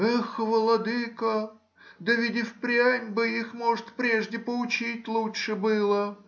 — Эх, владыко, да ведь и впрямь бы их, может, прежде поучить лучше было.